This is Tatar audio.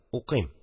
Укыйм